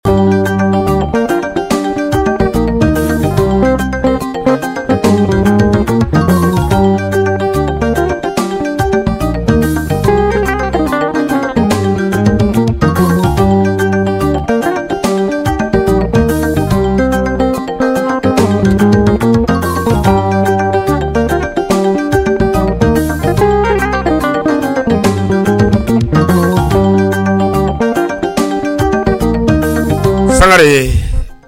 Se